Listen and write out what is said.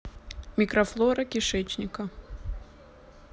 микрофлора кишечника